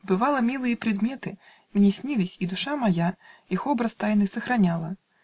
Бывало, милые предметы Мне снились, и душа моя Их образ тайный сохранила